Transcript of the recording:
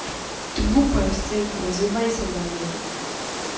ты глупая в стельку развивайся домой